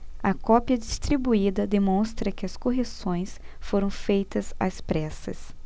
a cópia distribuída demonstra que as correções foram feitas às pressas